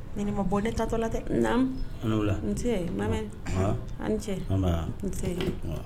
Ni bɔ ne taatɔ la tɛ n an ce